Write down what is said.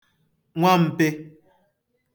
nwam̄pị̄